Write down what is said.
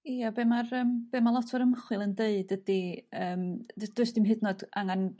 Ie be ma'r yym be' ma' lot o'r ymchwil yn deud ydi yym d- does dim hyd yn o'd angan